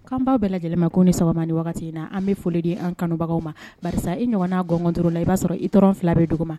K kan baw bɛɛ lajɛlen ko ni saba ni wagati in na an bɛ foli di an kanubagaw ma karisa i ɲɔgɔn'a gɔn dɔrɔn la i b'a sɔrɔ i dɔrɔn fila bɛ dugu ma